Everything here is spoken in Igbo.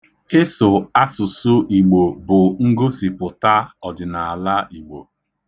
Ịsụ asụsụ Igbo bụ ngosipụta ọdịnaala Igbo.